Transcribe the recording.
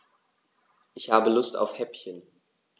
Ich habe Lust auf Häppchen.